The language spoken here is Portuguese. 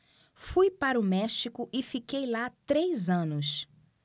fui para o méxico e fiquei lá três anos